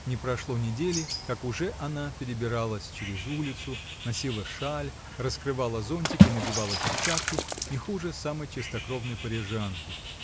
Не прошло недели, как уже она перебиралась через улицу, носила шаль, раскрывала зонтик и надевала перчатки не хуже самой чистокровной парижанки.